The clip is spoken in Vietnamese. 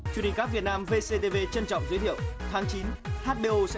truyền hình cáp việt nam vê xê tê vê trân trọng giới thiệu tháng chín hắc bê ô